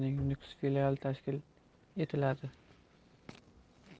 nukus filiali tashkil etiladi